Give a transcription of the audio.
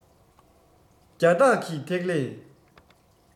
རྒྱ སྟག གི ཐིག ལེ